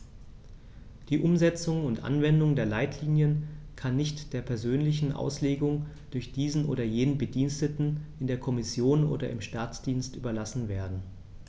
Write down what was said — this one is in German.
Die Umsetzung und Anwendung der Leitlinien kann nicht der persönlichen Auslegung durch diesen oder jenen Bediensteten in der Kommission oder im Staatsdienst überlassen werden.